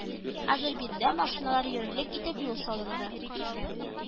Хәзер биредә машиналар йөрерлек итеп юл салынды